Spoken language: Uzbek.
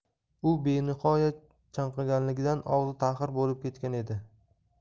u benihoya chanqaganligidan og'zi taxir bo'lib ketgan edi